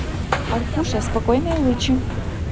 arkusha спокойной лучи